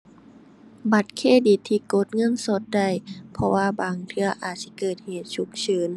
บัตรเครดิตที่กดเงินสดได้ เพราะว่าบางเทื่ออาจสิเกิดเหตุฉุกเฉิน